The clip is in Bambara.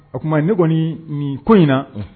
O tuma, ne kɔni nin ko in na